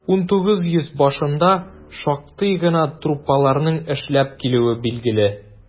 XIX йөз башында шактый гына труппаларның эшләп килүе билгеле.